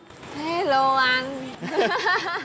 hế lô anh há há há